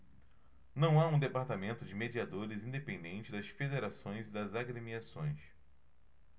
não há um departamento de mediadores independente das federações e das agremiações